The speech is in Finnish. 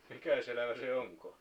mikäs elävä se onkaan